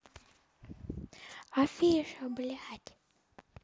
афиша блять